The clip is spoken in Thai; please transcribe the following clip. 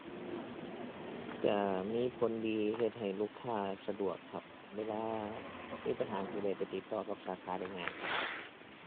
ก็มีผลดีเฮ็ดให้ลูกค้าสะดวกครับ เวลามีปัญหาก็สิได้ไปติดต่อกับสาขาได้ง่ายครับ